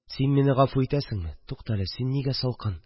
Син мине гафу итәсеңме? Туктале, син нигә салкын